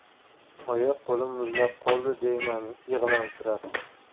oyi qo'lim muzlab qoldi deyman yig'lamsirab